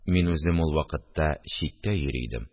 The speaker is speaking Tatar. Мин үзем ул вакытта читтә йөри идем